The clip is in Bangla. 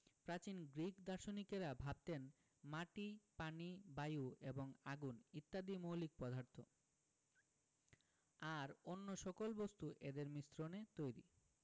প্রাচীন গ্রিক দার্শনিকেরা ভাবতেন মাটি পানি বায়ু এবং আগুন ইত্যাদি মৌলিক পদার্থ আর অন্য সকল বস্তু এদের মিশ্রণে তৈরি